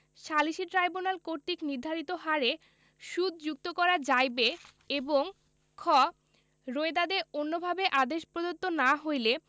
সালিসী ট্রাইব্যুনাল কর্তৃক নির্ধারিত হারে সুদ যুক্ত করা যাইবে এবং খ রোয়েদাদে অন্যভাবে আদেশ প্রদত্ত না হইলে